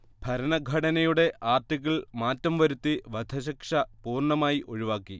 ഭരണഘടനയുടെ ആർട്ടിക്കിൾ മാറ്റം വരുത്തി വധശിക്ഷ പൂർണ്ണമായി ഒഴിവാക്കി